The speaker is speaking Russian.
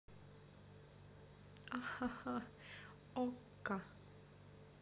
ахаха okko